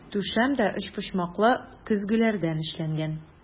Түшәм дә өчпочмаклы көзгеләрдән эшләнгән.